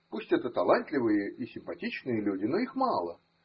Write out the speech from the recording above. пусть это талантливые и симпатичные люди, но их мало.